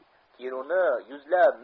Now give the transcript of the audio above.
kinoni yuzlab